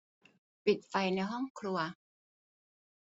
ปิดไฟในห้องครัว